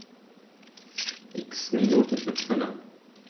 X Minuten Y